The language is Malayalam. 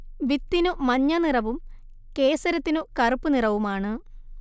വിത്തിനു മഞ്ഞനിറവും കേസരത്തിനു കറുപ്പു നിറവുമാണ്